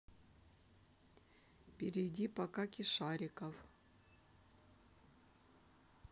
перейди покаки шариков